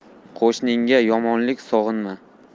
qo'shningga yomonlik sog'inma